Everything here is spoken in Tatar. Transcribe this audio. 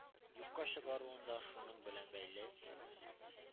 Юкка чыгаруы да шуның белән бәйле.